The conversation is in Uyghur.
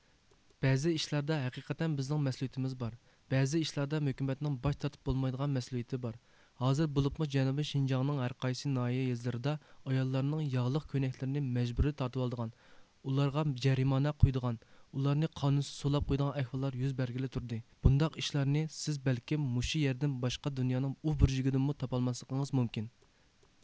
بەزى ئىشلاردا ھەقىقەتەن بىزنڭ مەسئۇلىيتىمىز بار بەزى ئىشلاردا ھۆكۈمەتنڭ باش تارتىپ بولمايدىغان مەسئۇلىيتى بار ھازىر بۇلۇپمۇ جەنۇبى شىنجاڭنىڭ ھەر قايسى ناھىيە يېزىلىردا ئاياللارنڭ ياغلىق كۆينەكلىرنى مەجبۇرى تارتىۋالىدىغان ئۇلارغا جەرىمانە قويىدىغان ئۇلارنى قانۇسىز سولاپ قويىدىغان ئەھۋاللار يۈز بەرگىلى تۇردى بۇنداق ئىشلارنى سىز بەلكىم مۇشۇ يەردىن باشقا دۇنيانىڭ ئۇبۇرجىكىدىنمۇ تاپالماسلقىڭىز مۇمكىن